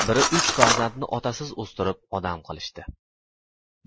biri uch farzandni otasiz o'stirib odam qilishdi